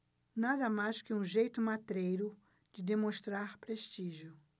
nada mais que um jeito matreiro de demonstrar prestígio